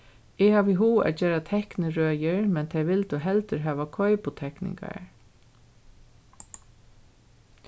eg hevði hug at gera teknirøðir men tey vildu heldur hava keiputekningar